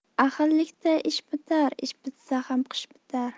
ahillikda ish bitar ish bitsa ham qish bitar